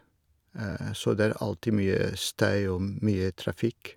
Så det er alltid mye støy og m mye trafikk.